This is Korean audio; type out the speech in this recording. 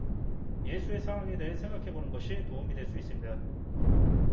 예수의 상황에 대해 생각해 보는 것이 도움이 될 수 있습니다